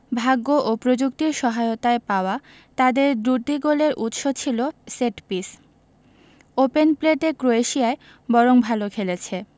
ভাগ্য ও প্রযুক্তির সহায়তায় পাওয়া তাদের দুটি গোলের উৎস ছিল সেটপিস ওপেন প্লেতে ক্রোয়েশিয়াই বরং ভালো খেলেছে